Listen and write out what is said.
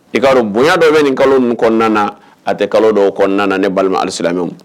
I karu bonya dɔ bɛ nin kalo ninnu kɔnɔna a tɛ kalo dɔw kɔnɔna ne balima ali silamɛmɛw